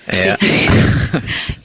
Ia.